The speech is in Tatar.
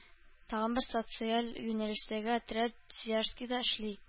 Тагын бер социаль юнәлештәге отряд Свияжскида эшли